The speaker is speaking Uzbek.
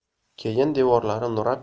keyin devorlari nurab